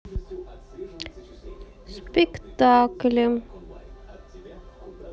спектакли